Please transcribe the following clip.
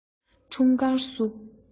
འཁྲུངས སྐར བསུ